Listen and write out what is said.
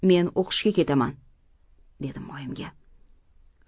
men o'qishga ketaman dedim oyimga